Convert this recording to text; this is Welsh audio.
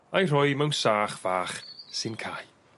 a'i rhoi mewn sach fach sy'n cau.